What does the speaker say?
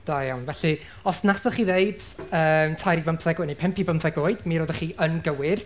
Da iawn felly os wnaethoch chi ddeud yym tair i bymtheg pump i bymtheg oed, mi roeddech chi yn gywir.